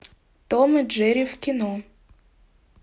том и джерри в кино